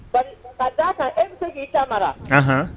Ka t'a kan e bɛ se k' ii ta mara